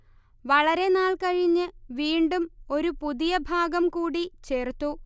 വളരെ നാൾ കഴിഞ്ഞ് വീണ്ടും ഒരു പുതിയ ഭാഗം കൂടി ചേർത്തു